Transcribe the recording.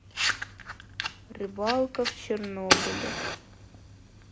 рыбалка в чернобыле